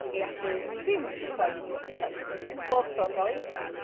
I allu dim rhoi t'od dim bob tro rhoi